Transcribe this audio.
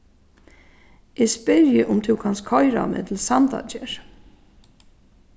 eg spyrji um tú kanst koyra meg til sandagerð